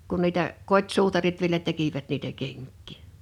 kun niitä kotisuutarit vielä tekivät niitä kenkiä